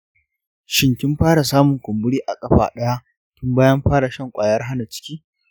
shin kin fara samun kumburi a ƙafa ɗaya tun bayan fara shan kwayar hana ciki?